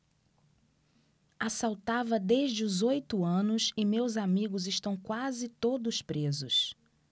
assaltava desde os oito anos e meus amigos estão quase todos presos